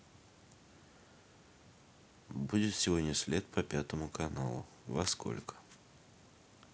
будет сегодня след по пятому каналу во сколько